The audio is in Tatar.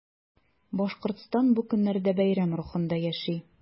Башкортстан бу көннәрдә бәйрәм рухында яши.